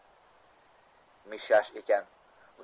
mishash ekan